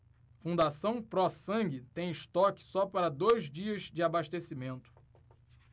fundação pró sangue tem estoque só para dois dias de abastecimento